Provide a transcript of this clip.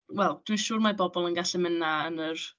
Wel, dwi'n siŵr mae bobl yn gallu mynd 'na yn yr...